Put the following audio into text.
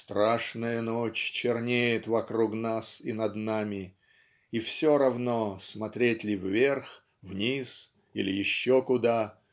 страшная ночь чернеет вокруг нас и над нами и все равно смотреть ли вверх вниз или еще куда.